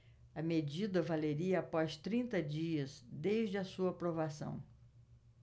a medida valeria após trinta dias desde a sua aprovação